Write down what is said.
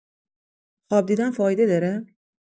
خواب دیدن فایده داره؟